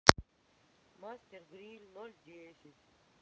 мастер гриль ноль десять